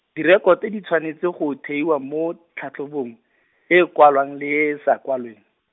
direkoto di tshwanetse go theiwa mo tlhatlhobong, e e kwalwang le e e sa kwalweng.